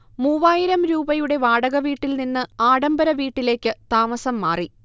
മൂവായിരം രൂപയുടെ വാടകവീട്ടിൽ നിന്ന് ആഢംബര വീട്ടിലേക്ക് താമസം മാറി